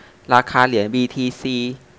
ราคาเหรียญบีทีซี